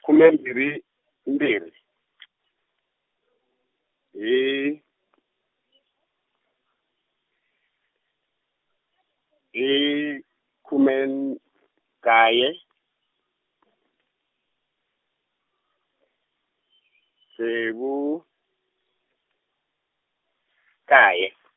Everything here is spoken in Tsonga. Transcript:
khume mbirhi mbirhi , hi, hi khume nkaye, ntsevu, nkaye.